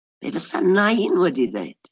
Be fysa nain wedi ddeud?